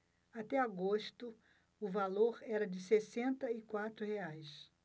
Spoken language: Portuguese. até agosto o valor era de sessenta e quatro reais